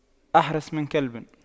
أحرس من كلب